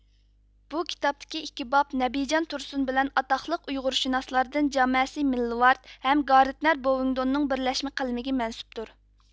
بۇ كىتابتىكى ئىككى باب نەبىجان تۇرسۇن بىلەن ئاتاقلىق ئۇيغۇرشۇناسلاردىن جامەسى مىللىۋارد ھەم گاردنەر بوۋىڭدوننىڭ بىرلەشمە قەلىمىگە مەنسۇپتۇر